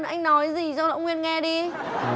anh nói gì cho ông nguyên nghe đi